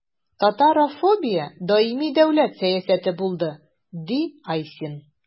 Татарофобия даими дәүләт сәясәте булды, – ди Айсин.